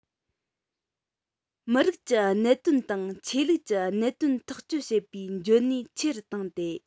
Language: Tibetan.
མི རིགས ཀྱི གནད དོན དང ཆོས ལུགས ཀྱི གནད དོན ཐག གཅོད བྱེད པའི འཇོན ནུས ཆེ རུ བཏང སྟེ